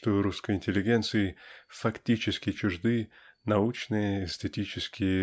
что русской интеллигенции фактически чужды научные эстетические